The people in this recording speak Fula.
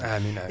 amine, amine